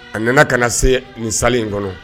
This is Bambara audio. A nana ka na se nin salle in kɔnɔ